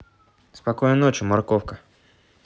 спокойной ночи морковка